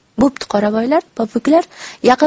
bo'pti qoravoylar popuklar